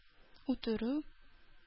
Үтерү